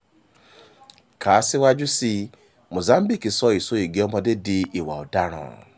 Kà síwájú sí i: Mozambique sọ ìsoyìgì ọmọdé di ìwà ọ̀daràn